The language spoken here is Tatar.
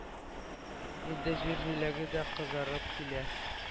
Инде җир җиләге дә кызарып килә.